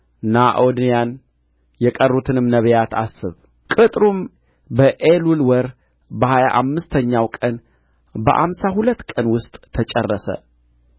ኖዓድያን የቀሩትንም ነቢያት አስብ ቅጥሩም በኤሉል ወር በሀያ አምስተኛው ቀን በአምሳ ሁለት ቀን ውስጥ ተጨረሰ